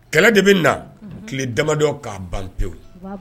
Kɛlɛ de bɛ na tile damadɔ k'a ban pewu